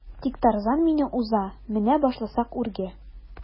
Тик Тарзан мине уза менә башласак үргә.